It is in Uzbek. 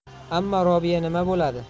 ammo robiya nima bo'ladi